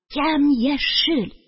Ямь-яшел!..